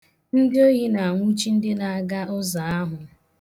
Ndị ohi na-anwụchi ndị na-aga ụzọ ahụ.